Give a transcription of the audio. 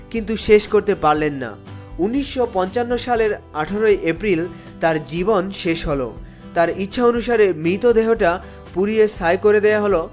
কিন্তু শেষ করতে পারলেন না হাজার ১৯৫৫ সালের ১৮ এপ্রিল তার জীবন শেষ হলো তার ইচ্ছা অনুসারে মৃতদেহটা পুড়িয়ে ছাই করে দেওয়া হলো